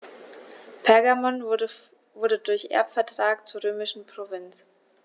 Pergamon wurde durch Erbvertrag zur römischen Provinz.